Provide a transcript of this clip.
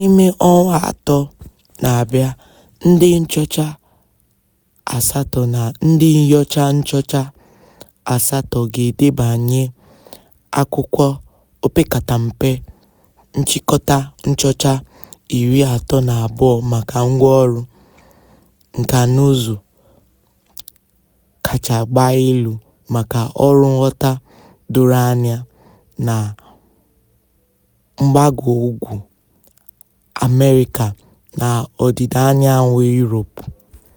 N'ime ọnwa atọ na-abịa, ndị nchọcha asatọ na ndị nnyocha nchọcha asatọ ga-edebanye akwụkwọ opekata mpe nchịkọta nchọcha 32 maka ngwáọrụ nkànaụzụ kacha gba elu maka ọrụ nghọta doro anya na mgbagougwu America na Odịdaanyanwụ Europe.